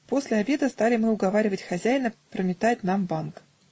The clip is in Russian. после обеда стали мы уговаривать хозяина прометать нам банк.